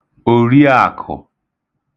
òriàkụ̀